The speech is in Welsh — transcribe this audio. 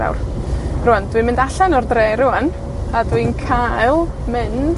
awr. Rŵan, dwi'n mynd allan or dre rŵan, a dw i'n cael mynd